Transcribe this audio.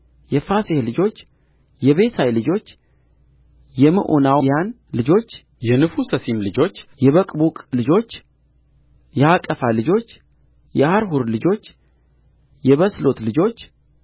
የፋሴሐ ልጆች የቤሳይ ልጆች የምዑናውያን ልጆች የንፉሰሲም ልጆች የበቅቡቅ ልጆች የሐቀፋ ልጆች የሐርሑር ልጆች የበስሎት ልጆች